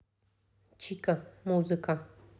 чика музыка